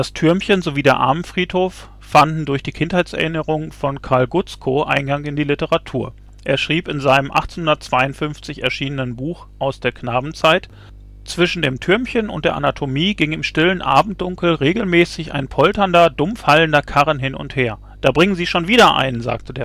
Thürmchen sowie der Armenfriedhof fanden durch die Kindheitserinnerungen von Karl Gutzkow eingang in die Literatur. Er schrieb in seinem 1852 erschienenen Buch Aus der Knabenzeit: „ Zwischen dem Thürmchen und der Anatomie ging im stillen Abenddunkel regelmäßig ein polternder, dumpfhallender Karren hin und her. Da bringen sie schon wieder Einen!, sagte